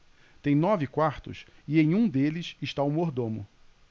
tem nove quartos e em um deles está o mordomo